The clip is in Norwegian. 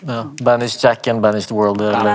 ja .